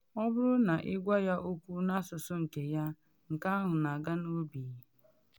Ọ bụrụ na ịgwa ya okwu n’asụsụ nke ya, nke ahụ na aga n’obi.”